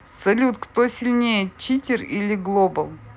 салют кто сильнее читер или global